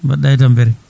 mbaɗɗa e tampere